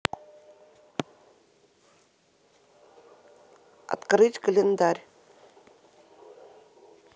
открыть календарь